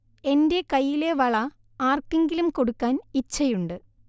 എന്റെ കൈയിലെ വള ആർക്കെങ്കിലും കൊടുക്കാൻ ഇച്ഛയുണ്ട്